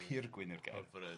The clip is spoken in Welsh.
Pur gwyn yw'r gair. Hyfryd.